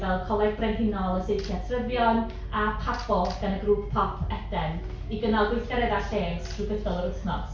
Fel Coleg Brenhinol y Seiciatryddion a PABO gan y grŵp pop Eden, i gynnal gweithgareddau lles drwy gydol yr wythnos.